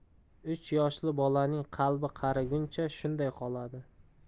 uch yoshli bolaning qalbi qarigunicha shunday qoladi